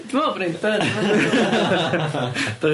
Dwi me'wl bod e'n fun.